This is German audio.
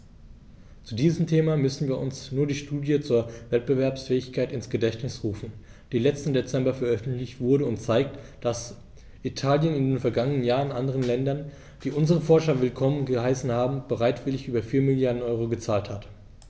Zu diesem Thema müssen wir uns nur die Studie zur Wettbewerbsfähigkeit ins Gedächtnis rufen, die letzten Dezember veröffentlicht wurde und zeigt, dass Italien in den vergangenen Jahren anderen Ländern, die unsere Forscher willkommen geheißen haben, bereitwillig über 4 Mrd. EUR gezahlt hat.